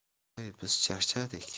toy biz charchadik